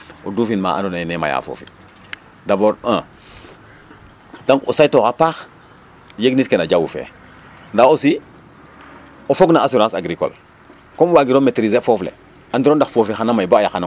o dufin ma andoona yee ne maya foofi d' abord 1 donc o saytoox a paax yegnit ke a jawu fe ndaa aussi o fogna assurance agricole comme waagi maitriser foof le andiro ndax foofi xana may ba yaqanong